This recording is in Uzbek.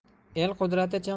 el qudrati chin